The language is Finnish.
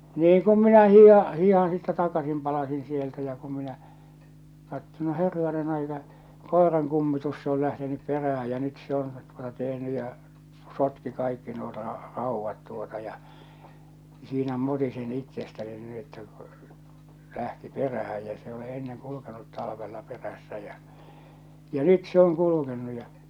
niin kun minä hiihdän hiihdän sitten takaisin palasin sieltä ja kun minä katsoin no herranen aika koiran kummitus se oli lähtenyt perään ja nyt se on tuota tehnyt ja sotki kaikki nuo - raudat tuota ja siinä mutisin itsestäni niin että kun lähti perään ja se ei ole ennen kulkenut talvella perässä ja ja nyt se on kulkenut ja